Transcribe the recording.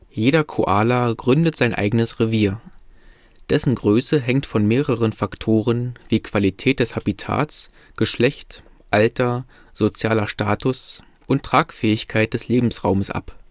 Jeder Koala gründet sein eigenes Revier. Dessen Größe hängt von mehreren Faktoren wie Qualität des Habitats, Geschlecht, Alter, sozialer Status und Tragfähigkeit des Lebensraumes ab